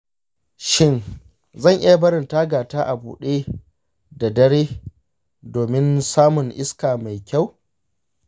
shin zan iya barin tagata a buɗe da daddare domin samun iska mai kyau?